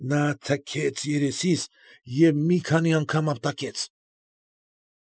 Նա թքեց երեսիս և մի քանի անգամ ապտակեց։